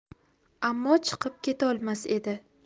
ammo chiqib ketolmas edi